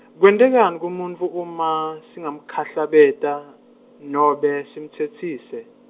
kwentekani kumuntfu uma, simkhahlabeta, nobe simtsetsisa?